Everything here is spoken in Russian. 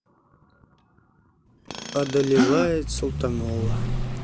одолевает султонова